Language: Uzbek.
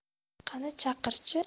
qani chaqirchi